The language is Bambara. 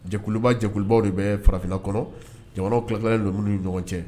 Jɛkuluba jɛkulubaw de bɛ farafinna kɔnɔ jamana kikɛ don minnu ɲɔgɔn cɛ